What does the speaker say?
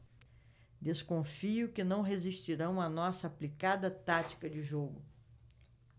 desconfio que não resistirão à nossa aplicada tática de jogo